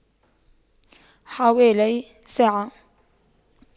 حوالي ساعة